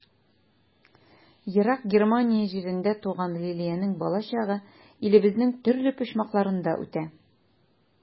Ерак Германия җирендә туган Лилиянең балачагы илебезнең төрле почмакларында үтә.